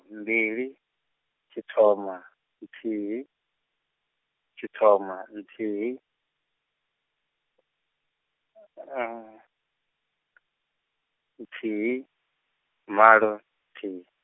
mbili, tshithoma, nthihi, tshithoma, nthihi, nthihi, malo, nthihi.